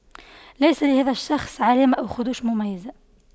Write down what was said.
ليس لهذا الشخص علامة أو خدوش مميزة